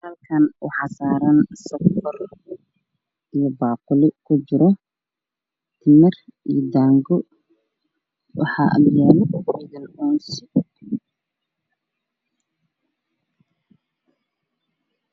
Meeshaan waxaa ka muuqda dabqaad iyo qaloon iyo timir iyo shaah